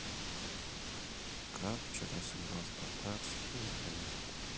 как вчера сыграл спартак с химками